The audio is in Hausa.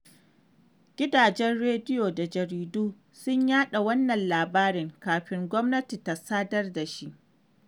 Gidajen rediyo da jaridu sun yaɗa wannan labari kafin gwamnati ta sadar da shi.